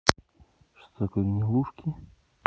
что такое гнилушки